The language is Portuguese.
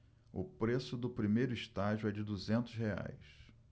o preço do primeiro estágio é de duzentos reais